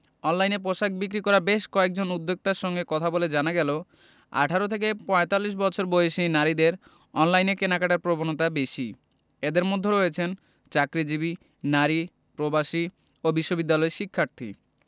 অনলাইনে পোশাক বিক্রি করা বেশ কয়েকজন উদ্যোক্তার সঙ্গে কথা বলে জানা গেল ১৮ থেকে ৪৫ বছর বয়সী নারীদের অনলাইনে কেনাকাটার প্রবণতা বেশি এঁদের মধ্যে রয়েছেন চাকরিজীবী নারী প্রবাসী ও বিশ্ববিদ্যালয় শিক্ষার্থী